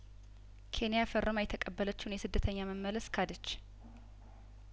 ኬንያ ፈርማ የተቀበለችውን የስደተኛ መመለስ ካደች